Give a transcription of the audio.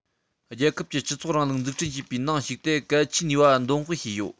རྒྱལ ཁབ ཀྱི སྤྱི ཚོགས རིང ལུགས འཛུགས སྐྲུན བྱེད པའི ནང ཞུགས ཏེ གལ ཆེའི ནུས པ འདོན སྤེལ བྱས ཡོད